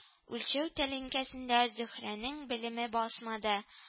Үлчәү тәлинкәсендә зөһрәнең белеме басмады